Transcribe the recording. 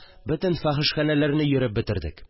Бөтен фәхешханәләрне йөреп бетердек